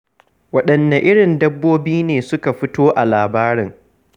Waɗanne irin dabbobi ne suka fito a labarin?,